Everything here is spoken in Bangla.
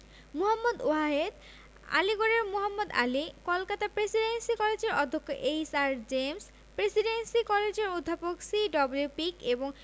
মুহম্মদ ওয়াহেদ আলীগড়ের মোহাম্মদ আলী কলকাতা প্রেসিডেন্সি কলেজের অধ্যক্ষ এইচ.আর জেমস প্রেসিডেন্সি কলেজের অধ্যাপক সি.ডব্লিউ পিক এবং